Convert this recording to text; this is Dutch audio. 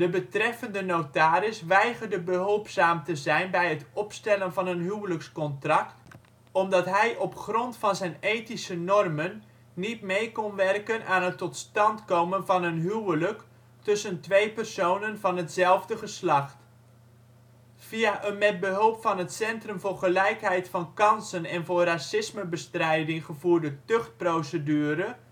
betreffende notaris weigerde behulpzaam te zijn bij het opstellen van een huwelijkscontract omdat hij op grond van zijn ethische normen niet mee kon werken aan het tot stand komen van een huwelijk tussen twee personen van hetzelfde geslacht. Via een met behulp van het Centrum voor gelijkheid van kansen en voor racismebestrijding gevoerde tuchtprocedure